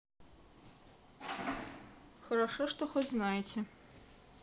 хорошо что хоть знаете